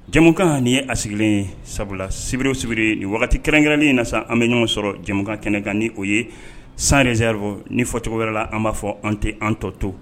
Jamukan nin ye a sigilen ye sabula sibierewsibiere ni wagati kɛrɛnli in na sisan an bɛ ɲɔgɔn sɔrɔ jamukan kɛnɛkan ni o ye sanreze ni fɔ tɔgɔ wɛrɛ la an b'a fɔ an tɛ an tɔ to